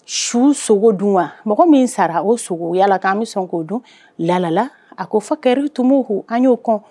Su sogo dun wa mɔgɔ min sara o sogo yalala k'an bɛ sɔn k'o dun lala a ko fɔ ke tun b' ko an y'o kɔn